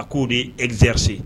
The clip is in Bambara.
A k ko oo de ezɛrise